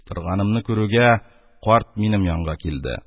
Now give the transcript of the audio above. Торганымны күрүгә, карт минем янга килде.